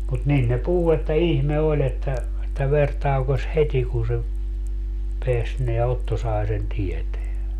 mutta niin ne puhui että ihme oli että että veri taukosi heti kun se pääsi nämä Otto sai sen tietää